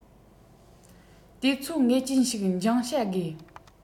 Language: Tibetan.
དུས ཚོད ངེས ཅན ཞིག འགྱངས བྱ དགོས